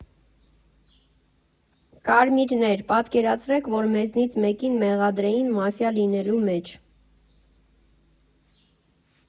Կարմիրներ, պատկերացրեք, որ մեզնից մեկին մեղադրեին մաֆիա լինելու մեջ։